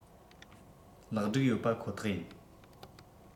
ལེགས སྒྲིག ཡོད པ ཁོ ཐག ཡིན